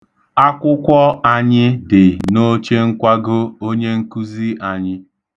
Akwụkwọ anyị dị n'ochenkwago onyenkuzi anyị.